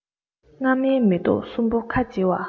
སྔ མའི མེ ཏོག གསུམ པོ ཁ བྱེ བ